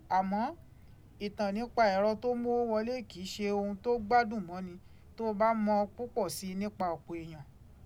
Àmọ́, ìtàn nípa ẹ̀rọ tó ń mówó wọlé kì í ṣe ohun tó gbádùn mọ́ni tó o bá mọ púpọ̀ sí i nípa ọ̀pọ̀ èèyàn.